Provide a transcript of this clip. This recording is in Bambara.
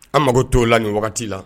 An mago to la nin wagati la